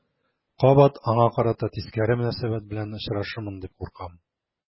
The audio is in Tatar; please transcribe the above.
Кабат аңа карата тискәре мөнәсәбәт белән очрашырмын дип куркам.